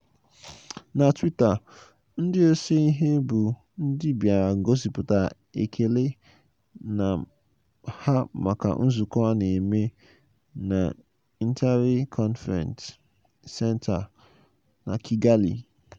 Na Twitter, ndị ose ihe bụ ndị bịara gosipụtara ekele ha maka nzukọ a na-eme na Intare conference center na Kigali: